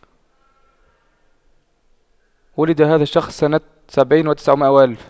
ولد هذا الشخص سنة سبعين وتسعمائة وألف